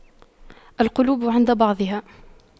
القلوب عند بعضها